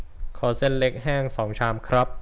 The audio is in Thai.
ขอเส้นเล็กแห้งสองชามครับ